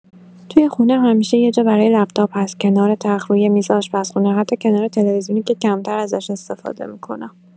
توی خونه، همیشه یه جا برای لپ‌تاپ هست، کنار تخت، روی میز آشپزخونه، حتی کنار تلویزیونی که کمتر ازش استفاده می‌کنم.